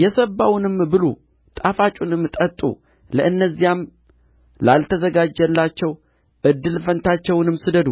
የሰባውንም ብሉ ጣፋጩንም ጠጡ ለእነዚያም ላልተዘጋጀላቸው እድል ፈንታቸውን ስደዱ